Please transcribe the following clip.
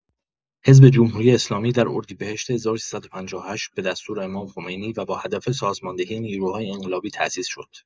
حزب جمهوری‌اسلامی در اردیبهشت ۱۳۵۸ به دستور امام‌خمینی و با هدف سازماندهی نیروهای انقلابی تأسیس شد.